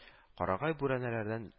Карагай бүрәнәләрдән